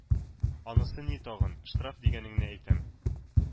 Анысы ни тагын?.. Штраф дигәнеңне әйтәм.